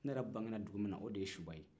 ne yɛrɛ bangera dugu min na o de ye suba ye